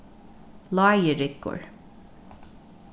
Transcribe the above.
lágiryggur